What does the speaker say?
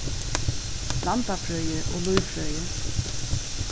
landafrøði og lívfrøði